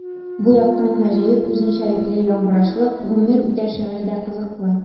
Бу яктан гаҗәеп үзенчәлекле яңгырашлы “Гомер үтә” шигыре дә кызыклы.